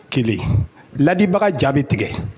Kelen ladi baga jaabi tigɛ